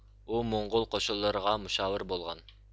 ئۇ موڭغۇل قوشۇنلىرىغا مۇشاۋىر بولغان